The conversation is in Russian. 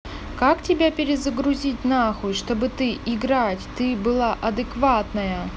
как тебя перезагрузить нахуй чтобы играть ты была адекватная